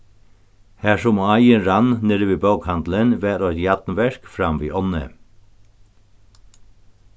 har sum áin rann niðri við bókahandilin var eitt jarnverk fram við ánni